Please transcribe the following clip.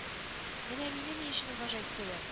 Менә мине ни өчен уважать итәләр